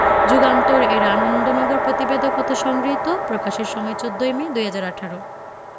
যুগান্তর এর আনন্দনগর প্রতিবেদক হতে সংগৃহীত প্রকাশের সময় ১৪ ই মে ২০১৮